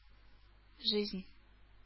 Жизнь